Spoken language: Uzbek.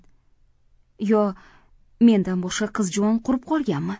yo mendan boshqa qiz juvon qurib qolganmi